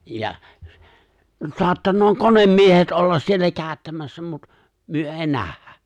ja saattaa konemiehet olla siellä käyttämässä mutta me ei nähdä